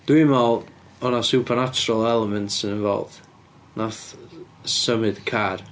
Dwi'n meddwl oedd 'na super natural elements yn involved wnaeth symud y car.